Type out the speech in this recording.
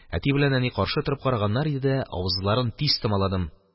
Әти белән әни каршы торып караганнар иде дә, авызларын тиз томаладым.